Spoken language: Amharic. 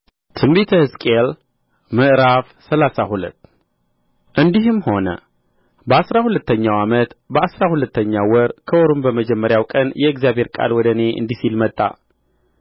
በትንቢተ ሕዝቅኤል ምዕራፍ ሰላሳ ሁለት እንዲህም ሆነ በአሥራ ሁለተኛው ዓመት በአሥራ ሁለተኛው ወር ከወሩም በመጀመሪያው ቀን የእግዚአብሔር ቃል ወደ እኔ እንዲህ ሲል መጣ